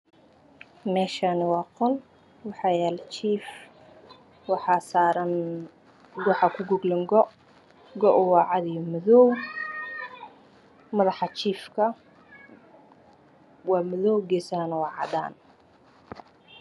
Meshani waa qol waxayalo jiif waxa saran go koa waa cadan io madow madax jifka waa madow io cadn